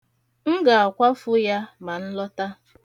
M ga-akwafu ya ma m lọta.